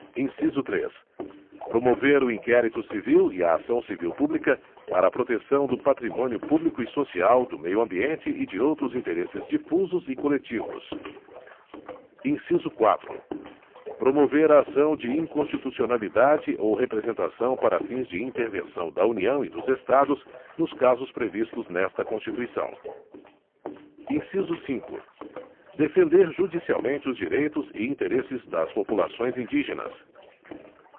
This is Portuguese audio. inciso três promover o inquérito civil e a ação civil pública para a proteção do patrimônio público e social do meio ambiente e de outros interesses difusos e coletivos inciso quatro promover a ação de inconstitucionalidade ou representação para fins de intervenção da união e dos estados nos casos previstos nesta constituição inciso cinco defender judicialmente os direitos e interesses das populações indígenas